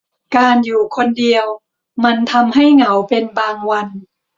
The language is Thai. การอยู่คนเดียวมันทำให้เหงาเป็นบางวัน